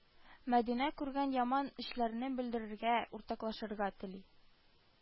Мәдинә күргән яман эшләрне белергә, уртаклашырга тели